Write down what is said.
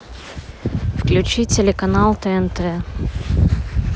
включи телеканал тнт